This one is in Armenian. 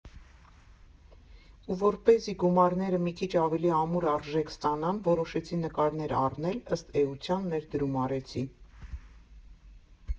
Ու որպեսզի գումարները մի քիչ ավելի ամուր արժեք ստանան, որոշեցի նկարներ առնել, ըստ էության՝ ներդրում արեցի։